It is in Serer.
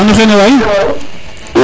wa ano xene waay